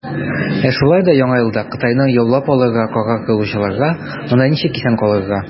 Ә шулай да Яңа елда Кытайны яулап алырга карар кылучыларга, - анда ничек исән калырга.